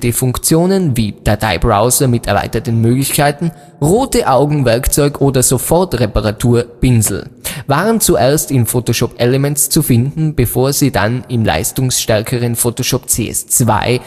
Funktionen wie Datei-Browser mit erweiterten Möglichkeiten, Rote-Augen-Werkzeug oder Sofort-Reparatur-Pinsel, waren zunächst in Photoshop Elements zu finden, bevor sie dann im leistungsstärkeren Photoshop CS2